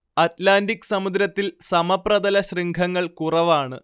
Atlantic സമുദ്രത്തിൽ സമപ്രതലശൃംഖങ്ങൾ കുറവാണ്